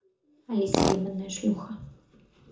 алиса ебаная шлюха